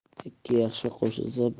ikki yaxshi qo'shilsa